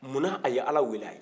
munna a ye ala wele a ye